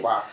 waaw